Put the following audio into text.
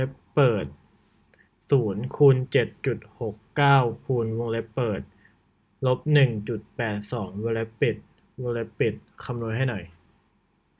วงเล็บเปิดศูนย์คูณเจ็ดจุดหกเก้าคูณวงเล็บเปิดลบหนึ่งจุดแปดสองวงเล็บปิดวงเล็บปิดคำนวณให้หน่อย